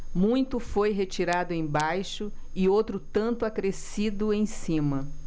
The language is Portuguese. muito foi retirado embaixo e outro tanto acrescido em cima